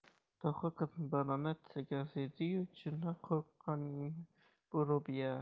tohir qizning badani titrayotganini sezdi yu chindan qo'rqqaningmi bu robiya